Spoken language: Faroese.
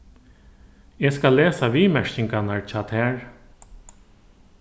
eg skal lesa viðmerkingarnar hjá tær